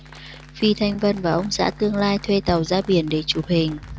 phi thanh vân và ông xã tương lai thuê tàu ra biển để chụp hình